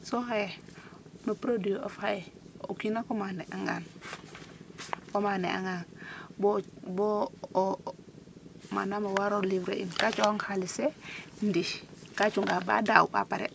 so xaye no produit of xaye o kina commander angan commander angan bo o bo o manaam o waro livrer in ka coxang xalis fe ndi ka cunga ba daaw pa pare